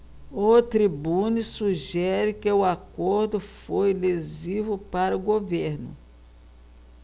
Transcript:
o tribune sugere que o acordo foi lesivo para o governo